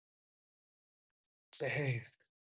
چه حیف